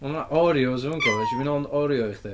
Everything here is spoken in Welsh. Mae 'na Oreos yn fan'cw. Isio fi nol n- Oreo i chdi?